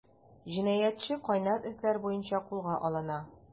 Җинаятьче “кайнар эзләр” буенча кулга алына.